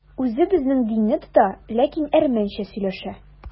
Үзе безнең динне тота, ләкин әрмәнчә сөйләшә.